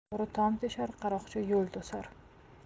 o'g'ri tom teshar qaroqchi yo'l to'sar